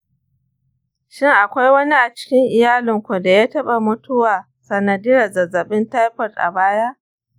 shin akwai wani a cikin iyalinku da ya taba mutuwa sanadiyyar zazzabin taifot a baya?